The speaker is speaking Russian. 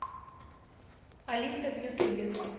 алиса в ютубе